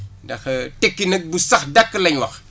ndax tekki nag bu sax dàkk la ñu wax